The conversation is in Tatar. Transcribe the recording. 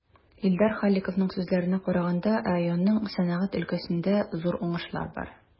Илдар Халиковның сүзләренә караганда, районның сәнәгать өлкәсендә зур уңышлары бар.